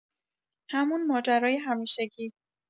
همون ماجرای همیشگی.